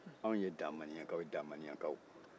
anw ye da maniyankaw ye da maniyankaw